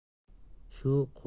shu quvonchli damni